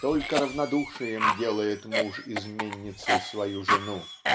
Только равнодушием делает муж изменницей свою жену,